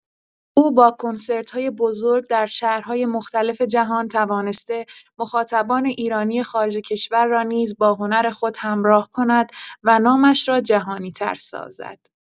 او با کنسرت‌های بزرگ در شهرهای مختلف جهان توانسته مخاطبان ایرانی خارج کشور را نیز با هنر خود همراه کند و نامش را جهانی‌تر سازد.